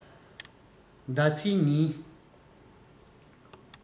ཟླ ཚེས ཉིན